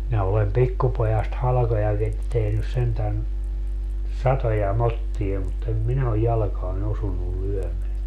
minä olen pikkupojasta halkojakin tehnyt sentään satoja motteja mutta en minä ole jalkaan osunut lyömään